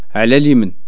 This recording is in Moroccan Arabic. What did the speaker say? علا ليمن